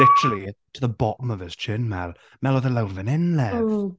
Literally to the bottom of his chin Mel. Mel oedd o lawr fan hyn love.